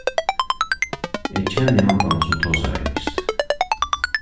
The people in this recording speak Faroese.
eg kenni handan sum tosar enskt